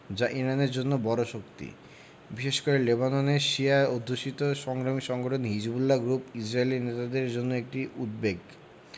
যা ইরানের জন্য বড় শক্তি বিশেষ করে লেবাননের শিয়া অধ্যুষিত সংগ্রামী সংগঠন হিজবুল্লাহ গ্রুপ ইসরায়েলি নেতাদের জন্য একটি উদ্বেগ